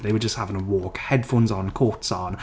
They were just having a walk headphones on, coats on...